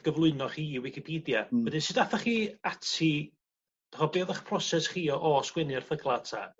...gyflwyno chi i wicipedia. Hmm. Wedyn sud athach chi ati ho- be' o'dd 'ych proses chi o o sgwennu erthygla 'ta?